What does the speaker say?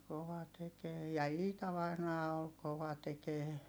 kova tekemään ja Iita vainaja oli kova tekemään